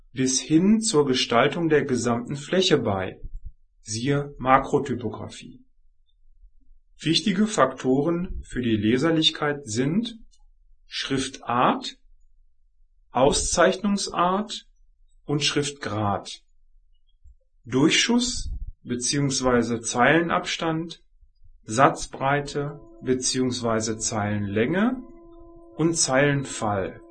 bis hin zur Gestaltung der gesamten Fläche bei (siehe Makrotypografie). Wichtige Faktoren für die Leserlichkeit sind: Schriftart, Auszeichnungsart und Schriftgrad Durchschuss (Zeilenabstand), Satzbreite (Zeilenlänge) und Zeilenfall